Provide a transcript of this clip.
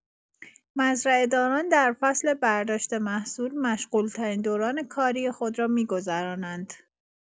مزرعه‌داران در فصل برداشت محصول مشغول‌ترین دوران کاری خود را می‌گذرانند.